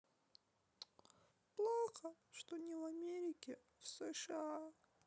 плохо что не в америке в сша